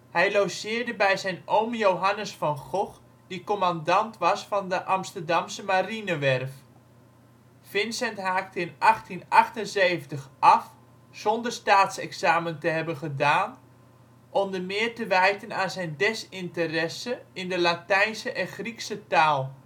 Hij logeerde bij zijn oom Johannes van Gogh, die commandant was van de Amsterdamse marinewerf. Vincent haakte in 1878 af, zonder staatsexamen te hebben gedaan, onder meer te wijten aan zijn desinteresse in de Latijnse en Griekse taal